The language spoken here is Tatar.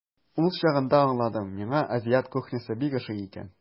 Ул чагында аңладым, миңа азиат кухнясы бик ошый икән.